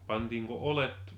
pantiinko oljet